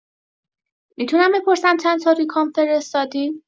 می‌تونم بپرسم چندتا ریکام فرستادین؟